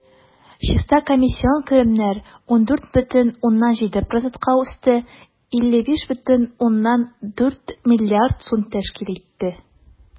Чиста комиссион керемнәр 14,7 %-ка үсте, 55,4 млрд сум тәшкил итте.